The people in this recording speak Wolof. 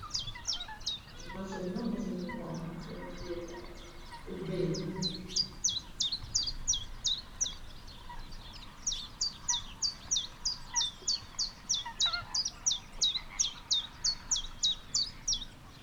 Macin la, macin bu xonxu, macin ni ligayeekaay, por beyu.